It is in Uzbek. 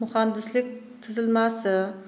muhandislik tuzilmasi